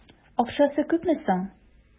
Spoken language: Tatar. Акчасы күпме соң?